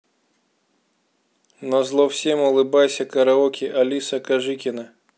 назло всем улыбайся караоке алиса кожикина